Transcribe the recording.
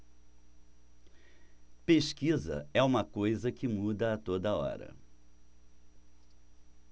pesquisa é uma coisa que muda a toda hora